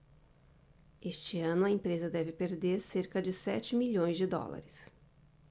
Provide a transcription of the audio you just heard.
este ano a empresa deve perder cerca de sete milhões de dólares